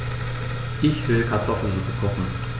Ich will Kartoffelsuppe kochen.